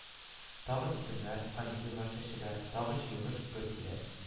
Тагы исемнәр, фамилияләр чәчелә, тагы җыелыш гөр килә